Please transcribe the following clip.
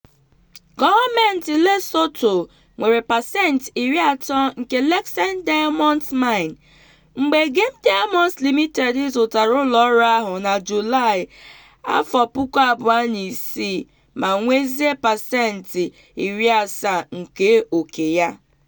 Gọọmenti Lesotho nwere pasenti 30 nke Letšeng Diamonds Mine, mgbe Gem Diamonds Limited zụtara ụlọọrụ ahụ na Julaị 2006 ma nwezie pasenti 70 nke ókè ya.